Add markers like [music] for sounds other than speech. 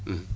[hesitation] [hesitation]